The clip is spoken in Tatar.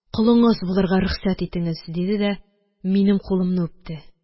Колыңыз булырга рөхсәт итеңез! – диде дә минем кулымны үпте.